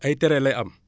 ay traits lay am